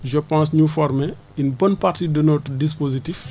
je pense ñu former une bonne partie de notre dispositif